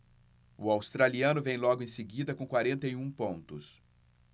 o australiano vem logo em seguida com quarenta e um pontos